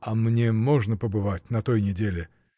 — А мне можно побывать на той неделе?